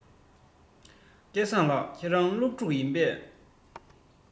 སྐལ བཟང ལགས ཁྱེད རང སློབ ཕྲུག ཡིན པས